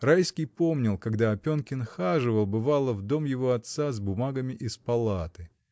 Райский помнил, когда Опенкин хаживал, бывало, в дом его отца с бумагами из палаты.